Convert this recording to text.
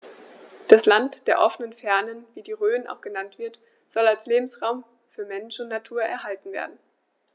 Das „Land der offenen Fernen“, wie die Rhön auch genannt wird, soll als Lebensraum für Mensch und Natur erhalten werden.